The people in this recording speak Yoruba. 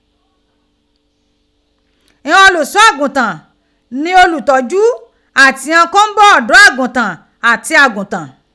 ighan Oluso agutan ni olutoju ati ighan ko n bo odo aguntan ati agutan.